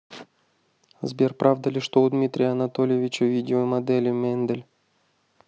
сбер правда ли что у дмитрия анатольевича видео модели мендель